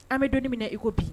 An bɛ donmina na i ko bi